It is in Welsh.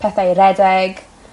pethau i redeg